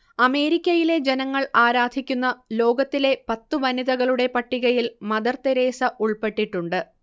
അമേരിക്കയിലെ ജനങ്ങൾ ആരാധിക്കുന്ന ലോകത്തിലെ പത്തു വനിതകളുടെ പട്ടികയിൽ മദർ തെരേസ ഉൾപ്പെട്ടിട്ടുണ്ട്